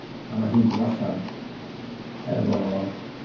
a mae hi'n dod allan efo...